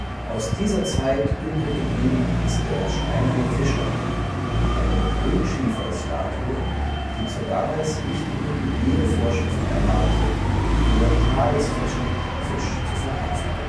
Aus dieser Zeit übrig geblieben ist der Steinerne Fischer, eine Grünschieferstatue, die zur damals wichtigen Hygienevorschrift ermahnte, nur tagesfrischen Fisch zu verkaufen